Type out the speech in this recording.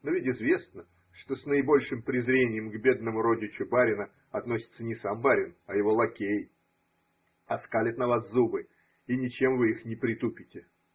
но ведь известно, что с наибольшим презрением к бедному родичу барина относится не сам барин, а его лакей. Оскалит на вас зубы. и ничем вы их не притупите.